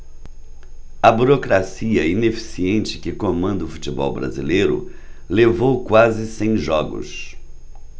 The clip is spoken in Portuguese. a burocracia ineficiente que comanda o futebol brasileiro levou quase cem jogos